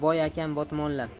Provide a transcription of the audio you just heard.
boy akam botmonlab